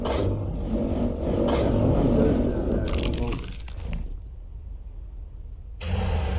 tað sum hann gjørdi var ólógligt